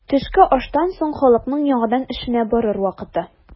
Төшке аштан соң халыкның яңадан эшенә барыр вакыты.